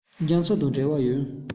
རྒྱ མཚོ དང འབྲེལ བ ཡོད